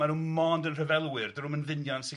ma' nhw mond yn rhyfelwyr, dydyn nhw'm yn ddynion sy'n...